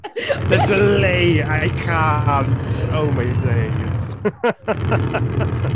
The delay. I can't. Oh, my days.